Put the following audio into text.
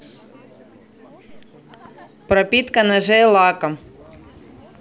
пропитка ножа лаком